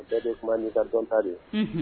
Bɛɛ de tun nidɔn ta de ye